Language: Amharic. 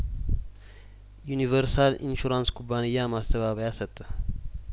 ዩኒቨርሳል ኢንሹራንስ ኩባንያ ማስተባበያ ሰጠ